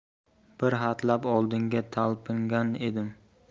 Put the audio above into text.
bir hatlab oldinga talpingan edim